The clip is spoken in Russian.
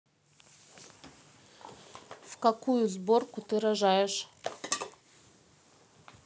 в какую сборку ты рожаешь